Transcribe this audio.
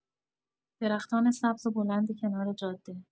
درختان سبز و بلند کنار جاده